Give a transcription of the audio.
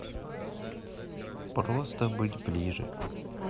просто быть ближе